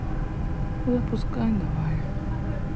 запускай давай